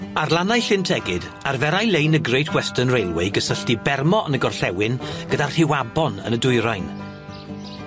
Ar lannau Llyn Tegid, arferai lein y Great Western Railway gysylltu Bermo yn y gorllewin gyda Rhiwabon yn y dwyrain.